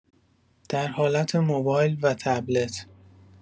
در حالت موبایل و تبلیت